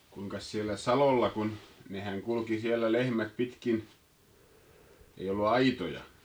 kuinkas siellä salolla kun nehän kulki siellä lehmät pitkin ei ollut aitoja